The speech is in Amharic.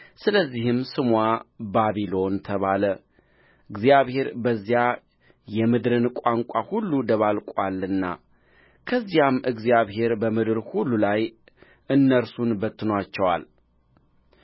ስለዚህም ስምዋ ባቢሎን ተባለ እግዚአብሔር በዚያ የምድርን ቋንቋ ሁሉ ደባልቋልና ከዚያም እግዚአብሔር በምድር ሁሉ ላይ እነርሱን በትኖአቸዋል